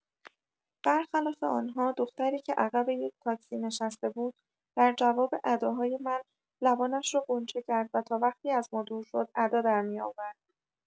بر خلاف آنها، دختری که عقب یک تاکسی نشسته بود در جواب اداهای من لبانش را قنچه کرد و تا وقتی از ما دور شد ادا درمی‌آورد.